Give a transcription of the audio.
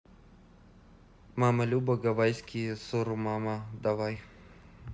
мама люба гавайские сурмама давай